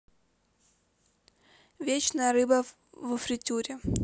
речная рыба во фритюре